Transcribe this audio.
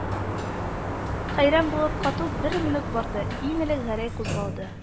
Хәйран булып кату бер минут барды, иң элек Гәрәй кузгалды